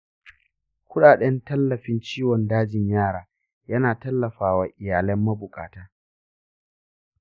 kuɗaɗen tallafin ciwon dajin yara yana tallafawa iyalan mabuƙata.